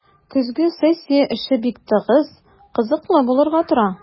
Көзге сессия эше бик тыгыз, кызыклы булырга тора.